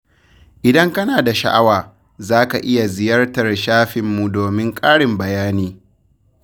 Idan kana da sha'awa, za ka iya ziyartar shafinmu domin ƙarin bayani.